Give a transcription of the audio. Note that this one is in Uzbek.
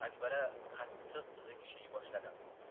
akbara qattiq g'ingshiy boshladi